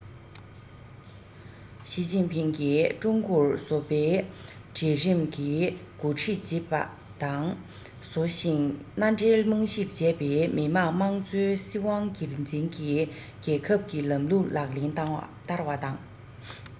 ཞིས ཅིན ཕིང གིས ཀྲུང གོར བཟོ པའི གྲལ རིམ གྱིས འགོ ཁྲིད བྱེད པ དང བཟོ ཞིང མནའ འབྲེལ རྨང གཞིར བྱས པའི མི དམངས དམངས གཙོའི སྲིད དབང སྒེར འཛིན གྱི རྒྱལ ཁབ ཀྱི ལམ ལུགས ལག ལེན བསྟར བ དང